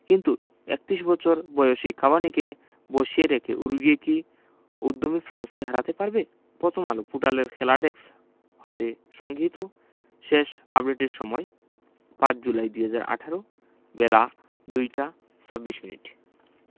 কিন্তু ৩১ বছর বয়সী কাভানিকে বসিয়ে রেখে উরুগুয়ে কি উদ্যমী ফ্রান্সকে হারাতে পারবে পথমআলো পোর্টালের খেলা ডেস্ক হতে সংগৃহীত শেষ আপডেটের সময় ৫ জুলাই ২০১৮ বেলা ২টা ২৬মিনিট